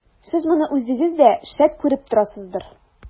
Сез моны үзегез дә, шәт, күреп торасыздыр.